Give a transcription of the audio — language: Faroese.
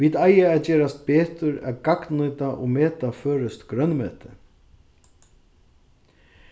vit eiga at gerast betur at gagnnýta og meta føroyskt grønmeti